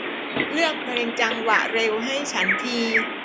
เลือกเพลงจังหวะเร็วให้ฉันที